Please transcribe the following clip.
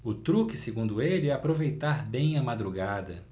o truque segundo ele é aproveitar bem a madrugada